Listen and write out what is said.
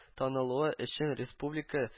Танылуы өчен республика